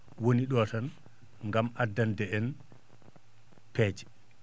woni ?o tan ngam addande en peeje